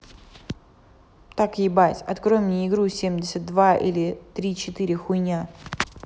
так ебать открой мне игру семьдесят два или три четыре хуйня